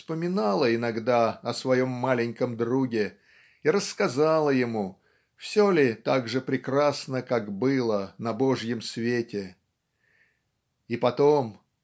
вспоминала иногда о своем маленьком друге и рассказала ему все ли так же прекрасно как было на Божьем свете. И потом